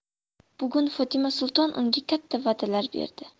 bugun fotima sulton unga katta vadalar berdi